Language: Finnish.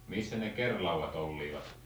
missä ne kerinlaudat olivat